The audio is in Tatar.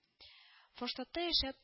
Форштадта яшәп